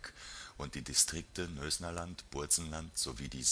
Distrike Nösnerland, Burzenland) sowie die